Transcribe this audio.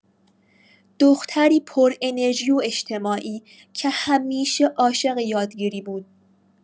دختری پرانرژی و اجتماعی که همیشه عاشق یادگیری بود.